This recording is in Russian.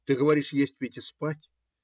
Ты говоришь: есть, пить и спать?